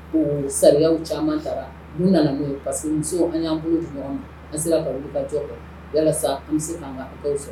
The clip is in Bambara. Ko sariyaya caman taara u nana parce que musow an y'an bolo an sera ka wuli ka jɔ walasa sisan an bɛ se sɔrɔ